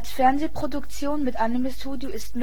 Fernsehproduktion mit Anime Studio ist